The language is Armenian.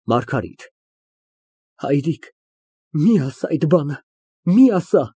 ՄԱՐԳԱՐԻՏ ֊ Հայրիկ մի ասա այդ բանը, մի ասա։